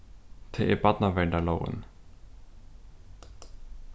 tað er barnaverndarlógin